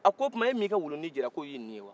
a ko o kuma e m'i ka wulunin jira k'o y'e ni ye wa